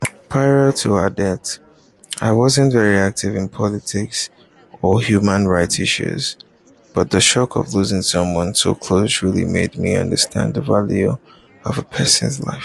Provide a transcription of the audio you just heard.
Prior to her death, I wasn't very active in politics or human rights issues, but the shock of losing someone so close really made me understand the value of a person's life.